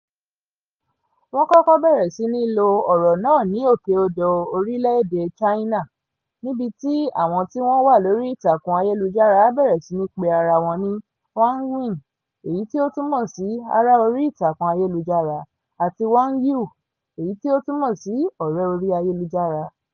Wọ́n kọ́kọ́ bẹ̀rẹ̀ sí ní lo ọ̀rọ̀ náà ní òkè odò orílẹ̀ èdè China, níbi tí àwọn tí wọ́n wà lórí ìtàkùn ayélujára bẹ̀rẹ̀ sí ní pe ara wọn ní wangmin (èyí tí ó túmọ̀ sí "ará 'orí-ìtàkùn-ayélujára") àti wangyou (èyí tí ó túmọ̀ sí ọ̀rẹ́-orí - ayélujára").